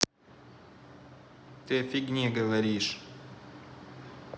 ты о фигне говоришь